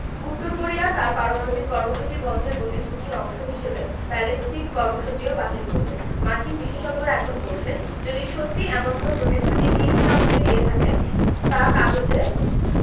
উত্তর কোরিয়া তার পারমাণবিক কর্মসূচি বন্ধের প্রতিশ্রুতির অংশ হিসেবে ব্যালিস্টিক কর্মসূচিও বাতিল করবে মার্কিন বিশেষজ্ঞেরা এখন বলছেন যদি সত্যি এমন কোনো প্রতিশ্রুতি কিম ট্রাম্পকে দিয়ে থাকেন তা কাগুজে